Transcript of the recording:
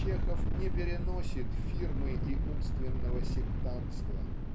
Чехов не переносит фирмы и умственного сектантства